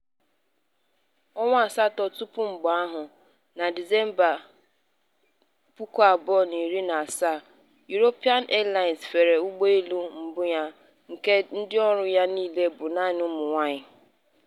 Ọnwa asatọ tupu mgbe ahụ, na Disemba 2017, Ethiopian Airlines fere ụgbọelu mbụ ya nke ndịọrụ ya niile bụ naanị ụmụnwaanyị.